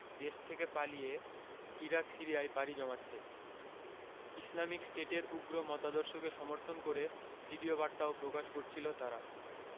দেশ থেকে পালিয়ে ইরাক সিরিয়ায় পাড়ি জমাচ্ছে ইসলামিক স্টেটের উগ্র মতাদর্শকে সমর্থন করে ভিডিওবার্তাও প্রকাশ করছিল তারা